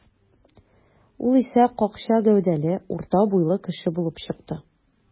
Ул исә какча гәүдәле, урта буйлы кеше булып чыкты.